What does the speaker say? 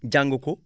jàng ko